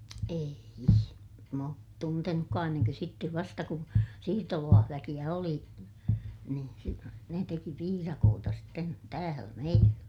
ei en minä ole tuntenutkaan ennen kuin sitten vasta kun siirtolaisväkeä oli niin - ne teki piirakoita sitten täällä meillä